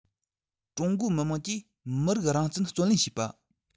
ཀྲུང གོའི མི དམངས ཀྱིས མི རིགས རང བཙན བརྩོན ལེན བྱེད པ